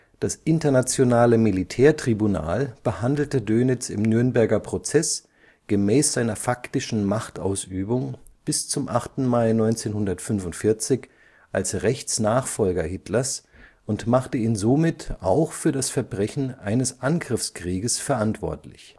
Das Internationale Militärtribunal behandelte Dönitz im Nürnberger Prozess gemäß seiner faktischen Machtausübung bis zum 8. Mai 1945 als Rechtsnachfolger Hitlers und machte ihn somit auch für das Verbrechen eines Angriffskrieges verantwortlich